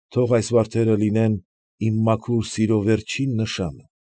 Թող այս վարդերը լինեն իմ մաքուր սիրո վերջին նշանը։